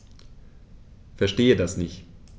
Verstehe das nicht.